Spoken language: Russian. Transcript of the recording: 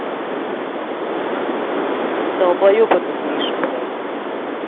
долбоеб этот миша блять